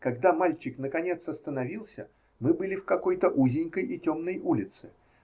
-- Когда мальчик наконец остановился, мы были в какой-то узенькой и темной улице.